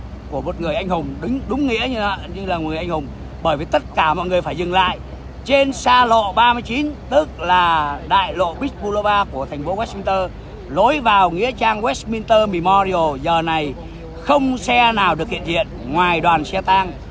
của một người anh hùng đứng đúng nghĩa như là là người anh hùng bởi vì tất cả mọi người phải dừng lại trên xa lộ ba mươi chín tức là đại lộ bích bô lô ba của thành phố goa sinh tơ lối vào nghĩa trang goét min tơ mì mo ri ồ giờ này không xe nào được hiện diện ngoài đoàn xe tang